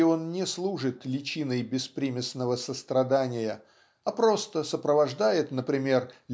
где он не служит личиной беспримесного сострадания а просто сопровождает например